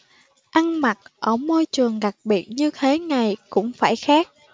ăn mặc ở môi trường đặc biệt như thế này cũng phải khác